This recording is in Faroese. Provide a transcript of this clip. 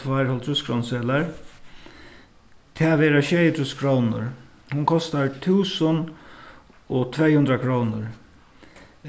tveir hálvtrýsskrónuseðlar tað verða sjeyogtrýss krónur hon kostar túsund og tvey hundrað krónur